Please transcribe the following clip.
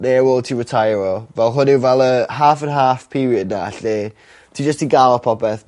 Ne' ar ôl ti riteiro. Fel hwn yw fel y half an' half period 'na lle ti jyst 'di gal popeth